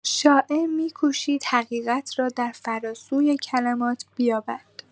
شاعر می‌کوشید حقیقت را در فراسوی کلمات بیابد.